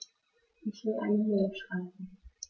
Ich will eine Mail schreiben.